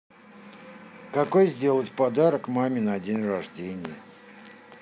какой сделать подарок маме на день рождения